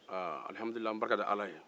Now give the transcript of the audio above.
an bɛ barika da ala ye